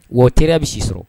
Wo teri bɛ si sɔrɔ